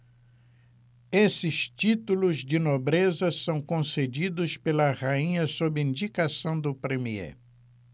esses títulos de nobreza são concedidos pela rainha sob indicação do premiê